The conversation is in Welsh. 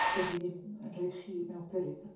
Dyn ni ddim yn rhoi chi mewn peryg.